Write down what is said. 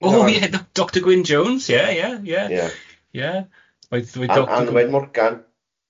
O yeah. Doctor Gwyn Jones, yeah, yeah, yeah... Ia... Yeah, oedd Gw-... A Anwen Morgan